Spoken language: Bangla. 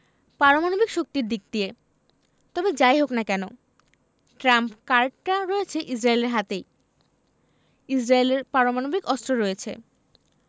পারমাণবিক শক্তির দিক দিয়ে তবে যা ই হোক না কেন ট্রাম্প কার্ডটা রয়েছে ইসরায়েলের হাতেই ইসরায়েলের পারমাণবিক অস্ত্র রয়েছে